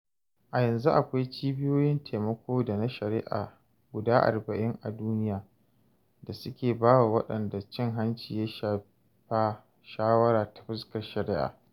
A yanzu akwai cibiyoyin taimako da na shari'a 40 a duniya da suke ba wa waɗanda cin-hanci ya shafa shawara ta fuskar shari'a.